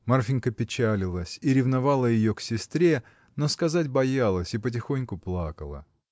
Марфинька печалилась и ревновала ее к сестре, но сказать боялась и потихоньку плакала.